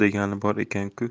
degani bor ekan ku